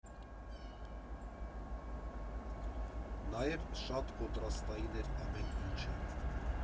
Նաև շատ կոնտրաստային էր ամեն ինչը։